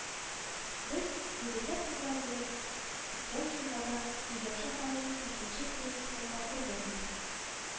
Без егетләр-кызлар белән үткән җомгада Ижау шәһәренең дүртенче клиникасында бергә булдык